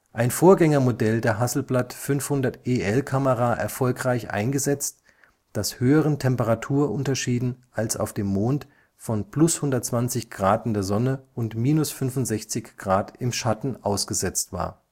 ein Vorgängermodell der Hasselblad-500EL-Kamera erfolgreich eingesetzt, das höheren Temperaturunterschieden (als auf dem Mond) von +120 °C in der Sonne und −65 °C im Schatten ausgesetzt war